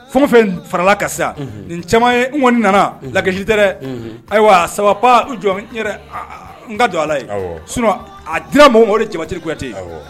Fɛn fɛn farala kasi nin caman ye n kɔni nana laji tɛ ayiwa saba jɔ n ka don ala ye sun a dira maaw o de jamabatiri kuyate